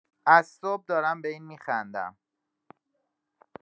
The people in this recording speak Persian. از صبح دارم به این می‌خندم.